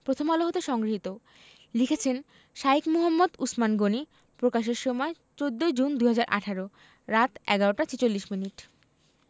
প্রথমআলো হতে সংগৃহীত লিখেছেন শাঈখ মুহাম্মদ উছমান গনী প্রকাশের সময় ১৪ জুন ২০১৮ রাত ১১টা ৪৬ মিনিট